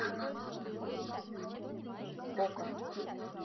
кока